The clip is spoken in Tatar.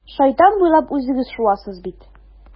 Шайтан буйлап үзегез шуасыз бит.